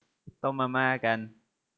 ต้มมาม่ากัน